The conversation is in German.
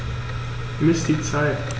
Miss die Zeit.